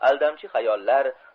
aldamchi hayollar